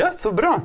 ja, så bra.